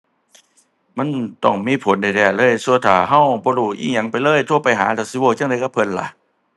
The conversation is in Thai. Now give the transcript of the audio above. มันต้องมีผลแท้แท้เลย สั่วถ้าเราบ่รู้อิหยังไปเลย โทรไปหาแล้วสิเว้าจั่งใดกับเพิ่นล่ะ